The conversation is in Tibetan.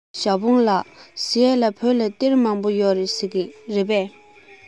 ཞའོ ཧྥུང ལགས ཟེར ཡས ལ བོད ལ གཏེར མང པོ ཡོད རེད ཟེར གྱིས རེད པས